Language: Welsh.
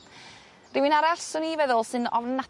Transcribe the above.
Rywun arall swn i feddwl sy'n